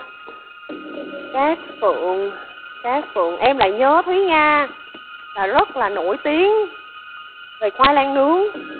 cát phượng cát phượng em lại nhớ thúy nga rất là nổi tiếng về khoai lang nướng